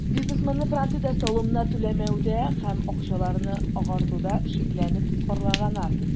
Бизнесменны Франциядә салымнар түләмәүдә һәм акчаларны "агартуда" шикләнеп тоткарлаганнар.